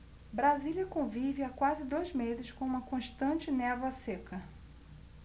brasília convive há quase dois meses com uma constante névoa seca